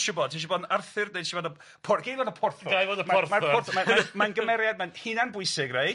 isio bod ti sio bod yn Arthur neu isio bo y porth-. Gei fod y porthwr? 'Nai fod y porthor. Ma'r ma'r porth- mae mae mae'n gymeriad mae'n hunan bwysig reit?